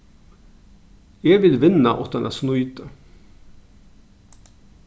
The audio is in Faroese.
eg vil vinna uttan at snýta